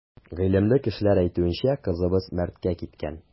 Гыйлемле кешеләр әйтүенчә, кызыбыз мәрткә киткән.